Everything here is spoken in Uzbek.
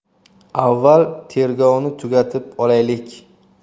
avval tergovni tugatib olaylik